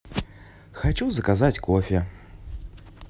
хочу заказать кофе